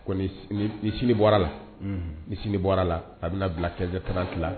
Kɔni ni sini bɔra la ni sini bɔra la a bɛna bila kɛsɛ tanranti